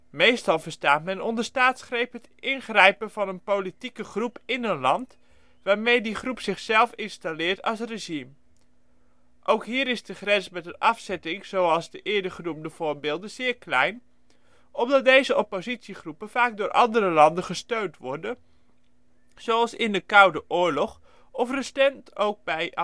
Meestal verstaat men onder ' staatsgreep ' het ingrijpen van een politieke groep in een land, waarmee die groep zichzelf installeert als regime. Ook hier is de grens met een afzetting zoals in de eerdergenoemde voorbeelden zeer klein, omdat deze oppositiegroepen vaak door andere landen gesteund worden, zoals in de Koude Oorlog, of recent ook bij